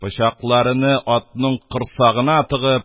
Пычакларыны атның корсагына тыгып,